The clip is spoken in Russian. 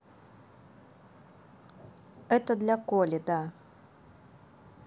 это для коли да